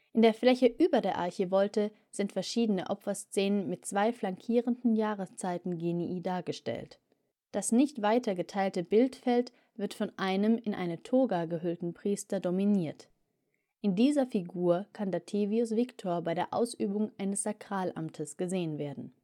In der Fläche über der Archivolte sind verschiedene Opferszenen mit zwei flankierenden Jahreszeitengenii dargestellt. Das nicht weiter geteilte Bildfeld wird von einem, in eine Toga gehüllten Priester, dominiert. In dieser Figur kann Dativius Victor bei der Ausübung seines Sakralamtes gesehen werden